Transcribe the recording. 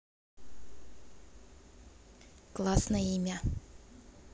классное имя